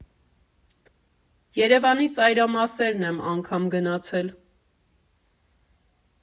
Երևանի ծայրամասերն եմ անգամ գնացել։